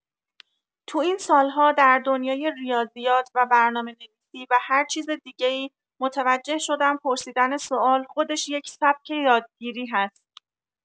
تو این سال‌ها در دنیای ریاضیات و برنامه‌نویسی و هرچیز دیگه‌ای متوجه شدم پرسیدن سوال خودش یک سبک یادگیری هست.